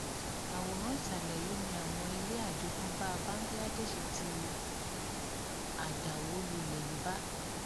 Àwòrán ìsàlẹ̀ yìí ni àwọn ilé àjogúnbáa Bangladeshi tí àdàwólulẹ̀ ń bá: